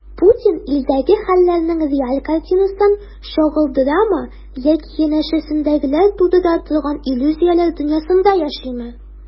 Путин илдәге хәлләрнең реаль картинасын чагылдырамы яки янәшәсендәгеләр тудыра торган иллюзияләр дөньясында яшиме?